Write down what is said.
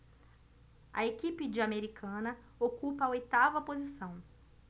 a equipe de americana ocupa a oitava posição